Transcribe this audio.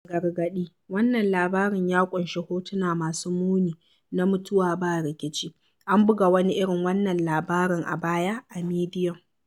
Gargaɗi: wannan labarin ya ƙunshi hotuna masu muni na mutuwa ba rikici: An buga wani irin wannan labarin a baya a Medium.